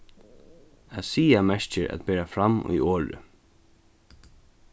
at siga merkir at bera fram í orði